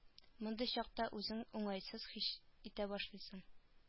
Мондый чакта үзен уңайсыз хис итә башлыйсын